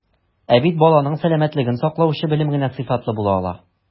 Ә бит баланың сәламәтлеген саклаучы белем генә сыйфатлы була ала.